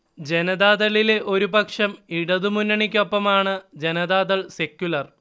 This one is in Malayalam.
ജനതാദളിലെ ഒരു പക്ഷം ഇടതു മുന്നണിക്കൊപ്പമാണ് ജനാതാദൾ സെക്യുലർ